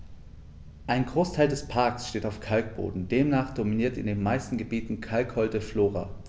Ein Großteil des Parks steht auf Kalkboden, demnach dominiert in den meisten Gebieten kalkholde Flora.